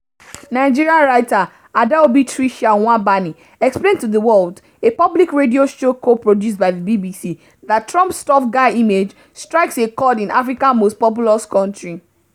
Nigerian writer Adaobi Tricia Nwaubani explained to The World, a public radio show co-produced by the BBC, that Trump's "tough guy image" strikes a chord in Africa's most populous country: